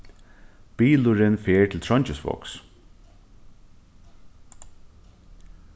bilurin fer til trongisvágs